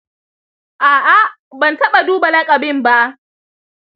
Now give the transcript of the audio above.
a’a, ban taɓa duba lakabin ba.